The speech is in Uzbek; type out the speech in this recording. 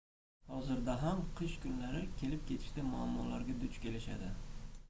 hozirda ham qish kunlari kelib ketishda muammolarga duch kelishadi